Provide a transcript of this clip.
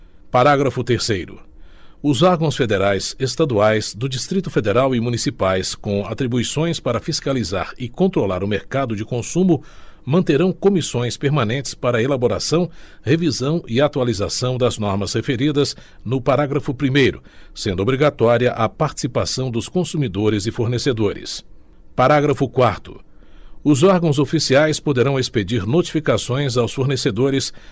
parágrafo terceiro os órgãos federais estaduais do distrito federal e municipais com atribuições para fiscalizar e controlar o mercado de consumo manterão comissões permanentes para elaboração revisão e atualização das normas referidas no parágrafo primeiro sendo obrigatória a participação dos consumidores e fornecedores parágrafo quarto órgãos oficiais poderão expedi notificações aos fornecedores